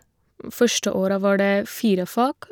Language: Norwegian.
Første året var det fire fag.